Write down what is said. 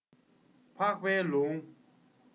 འཕགས པའི ལུང